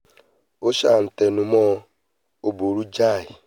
Ó sáà ńtẹnumọ́ 'ó burú jáì'.